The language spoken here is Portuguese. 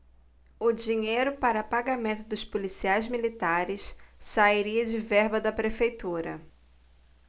o dinheiro para pagamento dos policiais militares sairia de verba da prefeitura